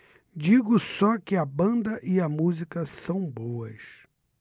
digo só que a banda e a música são boas